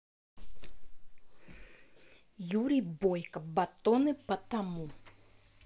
юрий бойка батоны потому